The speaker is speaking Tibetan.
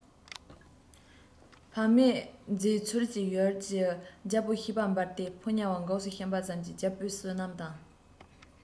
བཏང བཏང འཇོན འཇོན ཟེར བ བྱིངས མི བདེན རྫུན སྒྲིག ཤ སྟག ཡིན